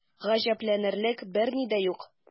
Гаҗәпләнерлек берни дә юк.